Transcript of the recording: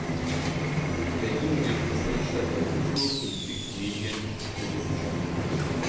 Berlin gilt als Weltstadt der Kultur, Politik, Medien und Wissenschaften.